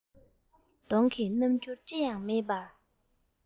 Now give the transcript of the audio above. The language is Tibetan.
གདོང གི རྣམ འགྱུར ཅི ཡང མེད པར